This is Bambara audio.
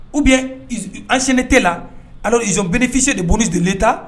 Oubien ancienneté la alors ils ont bénéficié les bonus de l'État